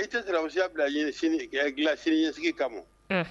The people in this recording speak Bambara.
I t'u siya bila i ka sini ɲɛsigi kama ma, unhun